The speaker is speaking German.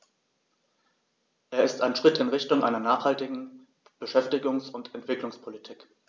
Er ist ein Schritt in Richtung einer nachhaltigen Beschäftigungs- und Entwicklungspolitik.